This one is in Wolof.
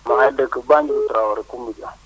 maa ngi dëkk Bandiou Traore *